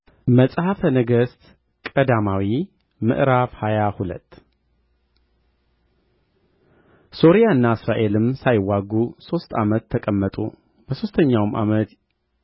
መጽሐፈ ነገሥት ቀዳማዊ ምዕራፍ ሃያ ሁለት ሶርያና እስራኤልም ሳይዋጉ ሦስት ዓመት ተቀመጡ በሦስተኛውም ዓመት